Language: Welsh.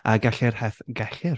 Y gellir hyth- Gellir!